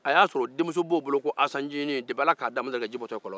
a y'a sɔrɔ demuso b'o bolo a tɔgɔ ko asan nciinin depi ala k'a da a ma deli ka ji bɔtɔ ye kɔlɔn na